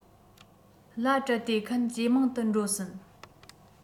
ལ སྤྲད དེ མཁན ཇེ མང དུ འགྲོ སྲིད